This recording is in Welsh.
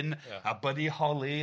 a Buddy Holly